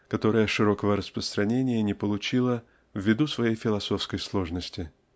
которое широкого распространения не получило ввиду своей философской сложности.